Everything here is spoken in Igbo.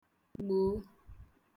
gbòo